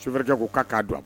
Sukɛ k'u ka' don